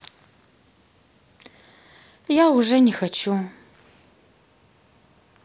я уже не хочу